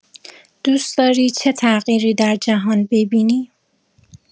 دوست‌داری چه تغییری در جهان ببینی؟